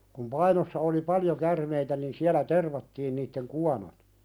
kun Painossa oli paljon käärmeitä niin siellä tervattiin niiden kuonot